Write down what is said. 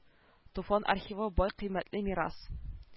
Туфан архивы бай кыйммәтле мирас